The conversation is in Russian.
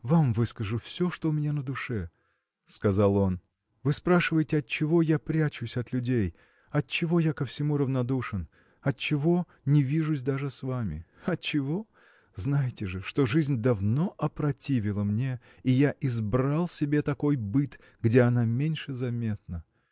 вам выскажу все, что у меня на душе, – сказал он. – Вы спрашиваете отчего я прячусь от людей отчего я ко всему равнодушен отчего не вижусь даже с вами?. отчего? Знайте же что жизнь давно опротивела мне и я избрал себе такой быт где она меньше заметна.